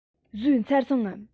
ཟོས ཚར སོང ངམ